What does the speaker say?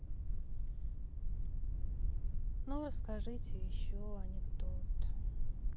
ну расскажи еще анекдот